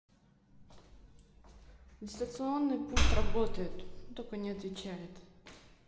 дистанционный пульт работает только не отвечает